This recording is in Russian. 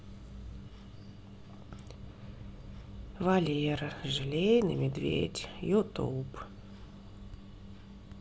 валера желейный медведь ютуб